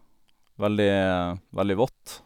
veldig Veldig vått.